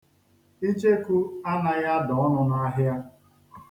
Icheku anaghị ada ọnụ n'ahịa.